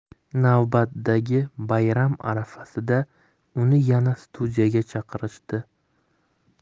navbatdagi bayram arafasida uni yana studiyaga chaqirishdi